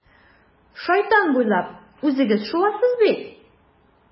Шайтан буйлап үзегез шуасыз бит.